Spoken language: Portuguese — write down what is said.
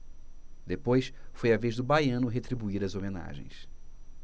depois foi a vez do baiano retribuir as homenagens